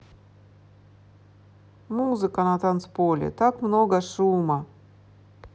музыка на танцполе так много шума